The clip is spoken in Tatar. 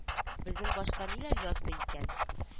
Безнең башка ниләр язды икән